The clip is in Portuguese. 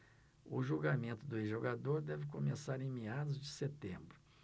o julgamento do ex-jogador deve começar em meados de setembro